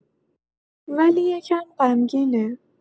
ولی یه کم غمگینه.